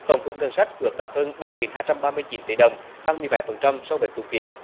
tổng thu ngân sách ước đạt hơn ba nghìn hai trăm ba mươi chín tỷ đồng tăng mười bảy phần trăm so với cùng kỳ